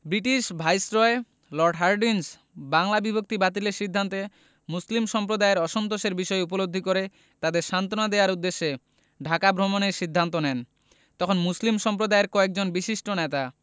British viceroy lord Hardinge Bangla বিভক্তি বাতিলের সিদ্ধান্তে মুসলিম সম্প্রদায়ের অসন্তোষের বিষয় উপলব্ধি করে তাদের সান্ত্বনা দেওয়ার উদ্দেশ্যে ঢাকা ভ্রমণের সিদ্ধান্ত নেন তখন মুসলিম সম্প্রদায়ের কয়েকজন বিশিষ্ট নেতা